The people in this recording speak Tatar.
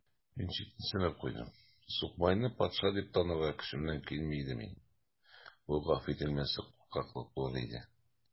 Мин читенсенеп куйдым: сукбайны патша дип танырга көчемнән килми иде минем: бу гафу ителмәслек куркаклык булыр иде.